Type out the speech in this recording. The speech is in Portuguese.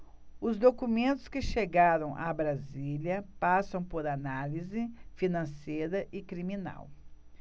os documentos que chegaram a brasília passam por análise financeira e criminal